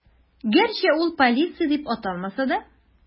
Гәрчә ул полиция дип аталмаса да.